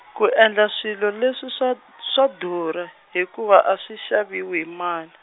ku endla swilo leswi swa, swa durha, hikuva a swi xaviwi hi mali.